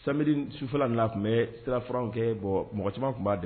Samedi n sufɛla de la a tun bɛɛ sirafuranw kɛ bon mɔgɔ caman tun b'a dɛ